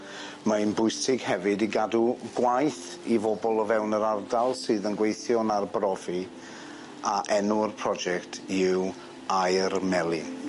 Mae'n bwysig hefyd i gadw gwaith i fobol o fewn yr ardal sydd yn gweithio yn arbrofi a enw'r project yw Aur Melyn.